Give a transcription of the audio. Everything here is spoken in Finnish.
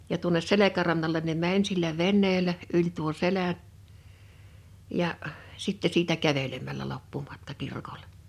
ja tuonne selkärannalle ne meni sillä veneellä yli tuon selän ja sitten siitä kävelemällä loppumatka kirkolle